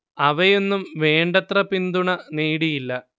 അവയൊന്നും വേണ്ടത്ര പിന്തുണ നേടിയില്ല